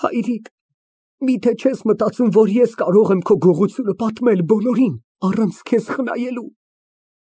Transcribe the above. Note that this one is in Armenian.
Հայրիկ, մի՞թե չես մտածում, որ ես կարող եմ քո գողությունը պատմել բոլորին, առանց քեզ խնայելու։